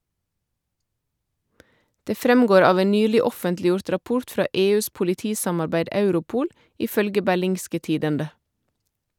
Det fremgår av en nylig offentliggjort rapport fra EUs politisamarbeid Europol, ifølge Berlingske Tidende.